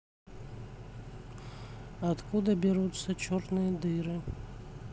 откуда берутся черные дыры